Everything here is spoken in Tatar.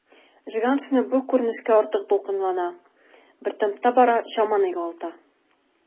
Җиһаншина бу күренештә артык дулкынлана, бер темпта бара, чаманы югалта.